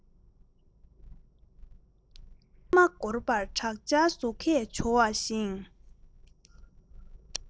ཅང མ འགོར པར དྲག ཆར ཟོ ཁས བྱོ བ བཞིན